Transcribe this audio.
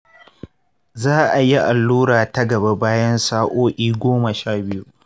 za a yi allura ta gaba bayan sa'o'i goma sha biyu.